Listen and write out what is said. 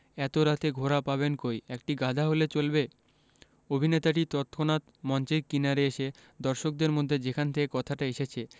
এত রাতে ঘোড়া পাবেন কই একটি গাধা হলে চলবে অভিনেতাটি তৎক্ষনাত মঞ্চের কিনারে এসে দর্শকদের মধ্যে যেখান থেকে কথাটা এসেছে